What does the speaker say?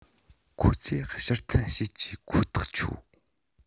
ཁོ ཚོས ཕྱིར འཐེན བྱེད ཀྱི ཁོ ཐག ཆོད